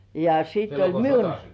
ja sitten minun